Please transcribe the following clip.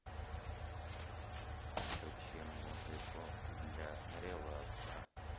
включи музыку для релакса